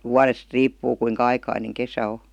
vuodesta riippuu kuinka aikainen kesä on